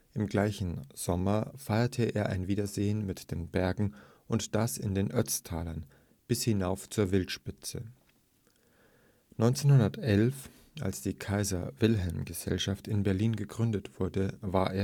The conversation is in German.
Im gleichen Sommer feierte er ein Wiedersehen mit den Bergen, und das in den Ötztalern bis hinauf zur Wildspitze. 1911, als die Kaiser-Wilhelm-Gesellschaft in Berlin gegründet wurde, war